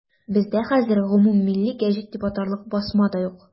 Бездә хәзер гомуммилли гәҗит дип атарлык басма да юк.